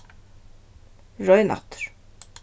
royn aftur